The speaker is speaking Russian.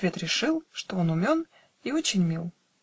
Свет решил, Что он умен и очень мил.